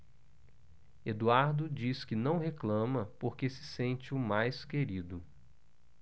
eduardo diz que não reclama porque se sente o mais querido